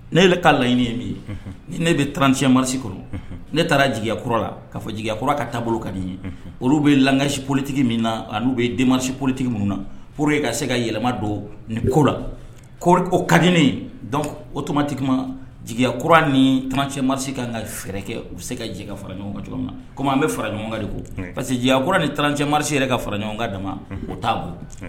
Ne k kaa laɲini min ye ni ne bɛ trantimasi kɔrɔ ne taara jigiya kura la kaa fɔigyakura ka taabolo ka di ye olu bɛ kasi politigi min na ani bɛ denmasi politigi min na p ye ka se ka yɛlɛma don ni ko laɔri o ka di dɔn o tumamati jigiya kura ni tran cɛmasi ka kan ka fɛrɛɛrɛ kɛ u bɛ se ka jɛ ka fara ɲɔgɔnka cogo min na kɔmi an bɛ fara ɲɔgɔnka de ko parce queyakura ni tranc cɛmanmasi yɛrɛ ka fara ɲɔgɔnka dama o t'a bolo